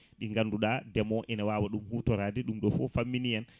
ɗi ganduva ndeemowo ina wawa ɗum hutorade ɗum ɗo foof o fammini en